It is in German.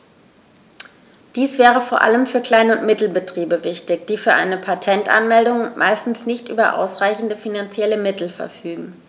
Dies wäre vor allem für Klein- und Mittelbetriebe wichtig, die für eine Patentanmeldung meistens nicht über ausreichende finanzielle Mittel verfügen.